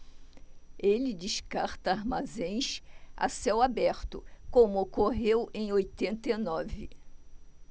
ele descarta armazéns a céu aberto como ocorreu em oitenta e nove